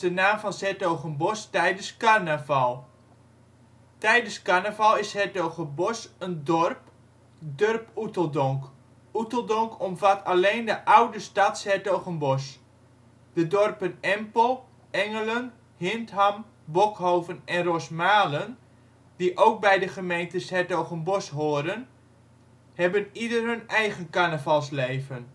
naam van ' s-Hertogenbosch tijdens carnaval. Tijdens carnaval is ' s-Hertogenbosch een dorp: ' t durp Oeteldonk. Oeteldonk omvat alleen de oude stad ' s-Hertogenbosch. De dorpen Empel, Engelen, Hintham, Bokhoven en Rosmalen, die ook bij de gemeente ' s-Hertogenbosch horen, hebben ieder hun eigen carnavalsleven